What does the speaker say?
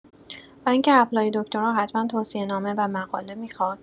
و اینکه اپلای دکترا حتما توصیه‌نامه و مقاله میخواد؟